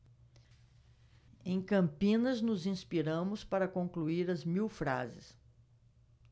em campinas nos inspiramos para concluir as mil frases